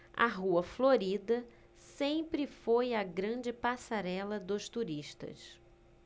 a rua florida sempre foi a grande passarela dos turistas